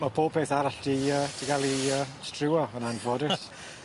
Ma' pob peth arall 'di yy 'di ga'l i yy striwo yn anffodus.